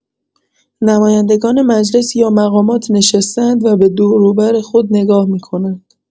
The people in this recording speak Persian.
نمایندگان مجلس یا مقامات نشسته‌اند و به دوروبر خود نگاه می‌کنند.